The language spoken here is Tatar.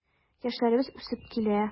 Яшьләребез үсеп килә.